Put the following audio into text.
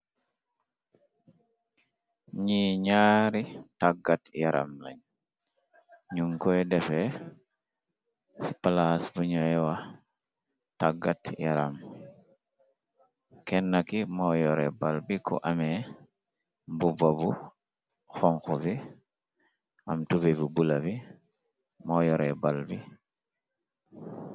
Nyi nyaari tàggat yaram lañ nyu ngoy defeh ci palaas buñuy wax tàggat yaram kenna ki moi yore bal bi ko amee mbubba bu xonku bi am tubai bu bula bi moo yore bal bi.